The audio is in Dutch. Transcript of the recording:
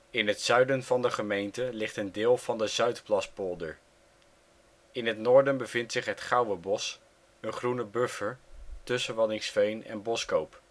In het zuiden van de gemeente ligt een deel van de Zuidplaspolder. In het noorden bevindt zich het Gouwebos, een groene buffer tussen Waddinxveen en Boskoop